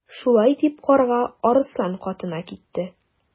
Шулай дип Карга Арыслан катына китте.